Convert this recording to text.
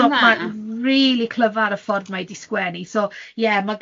So ma'n rili clyfar y ffordd ma'i 'di sgwennu, so ie